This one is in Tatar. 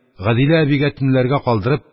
Гадилә әбигә төнләргә калдырып,